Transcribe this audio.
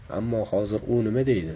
ammo hozir u nima deydi